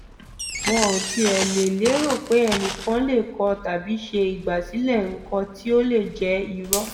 Wọn ò tilẹ̀ lè lérò pé ẹnìkan lè kọ tàbí ṣe ìgbàsílẹ̀ nǹkan tí ó lè jẹ́ irọ́.